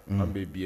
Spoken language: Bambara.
Nka bɛ bi yan